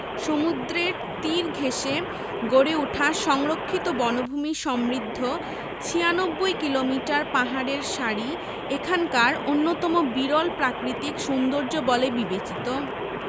সমুদ্রের তীর ঘেঁষে গড়ে উঠা সংরক্ষিত বনভূমি সমৃদ্ধ ৯৬ কিলোমিটার পাহাড়ের সারি এখানকার অন্যতম বিরল প্রাকৃতিক সৌন্দর্য্য বলে বিবেচিত